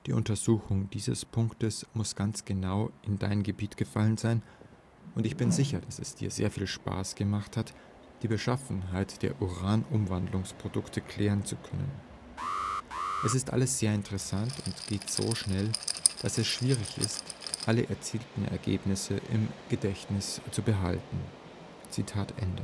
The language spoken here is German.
Untersuchung dieses Punktes muss ganz genau in Dein Gebiet gefallen sein, und ich bin sicher, dass es Dir sehr viel Spaß gemacht hat, die Beschaffenheit der Umwandlungsprodukte klären zu können. Es ist alles sehr interessant und geht jetzt so schnell, dass es schwierig ist, alle erzielten Ergebnisse im Gedächtnis zu behalten. “Es